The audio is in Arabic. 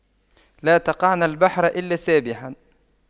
لا تقعن البحر إلا سابحا